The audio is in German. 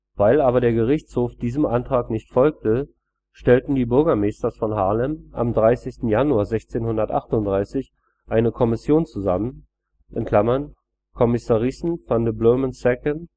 Weil aber der Gerichtshof diesem Antrag nicht folgte, stellten die burgemeesters von Haarlem am 30. Januar 1638 eine Kommission zusammen (Commisarissen van den Bloemen Saecken